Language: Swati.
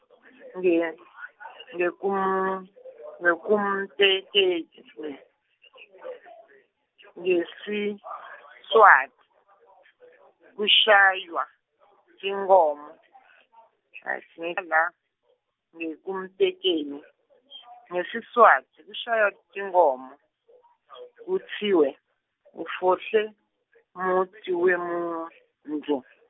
nge- ngekum- ngekumtekeki , ngeSiswati, kushaywa, tinkhomo , ngekumtekeni, ngeSiswati, kushaywa tinkhomo , kutsiwe, ufohle, umuti, wemun- -ntfu.